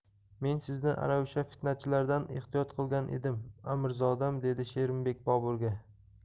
men sizni ana o'sha fitnachilardan ehtiyot qilgan edim amirzodam dedi sherimbek boburga